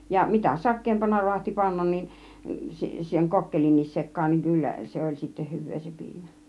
ja mitä sakeampana raatsi panna niin sen kokkelinkin sekaan niin kyllä se oli sitten hyvää se piimä